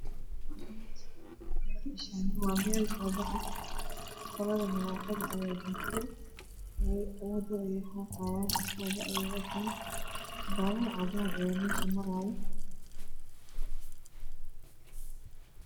Meshaani waa meel wada ah qolada nadafada ayaa joogto wasada ayeey haqaayan iskoobe ayaay watan babuur cadana ayaa mesha marayaa